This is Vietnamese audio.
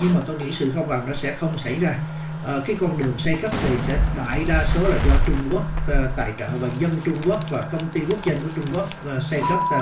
nhưng mà tôi nghĩ sự công bằng nó sẽ không xảy ra ờ cái con đường xây cấp này sẽ đại đa số là do trung quốc ờ tài trợ và dân trung quốc và công ty quốc doanh của trung quốc và xây cất thành